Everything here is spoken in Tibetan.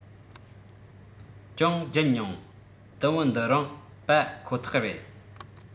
ཀྱང བརྒྱུད མྱོང དུམ བུ འདི རང པ ཁོ ཐག རེད